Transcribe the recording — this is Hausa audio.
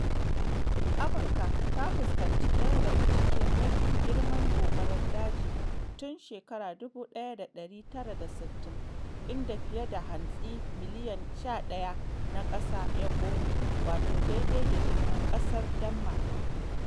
Amurka ta fuskanci ɗaya daga cikin mafiya girman gobarar daji tun 1960, inda fiye da hantsi miliyan 11 na ƙasa ya ƙone (wato daidai da girman ƙasar Denmark).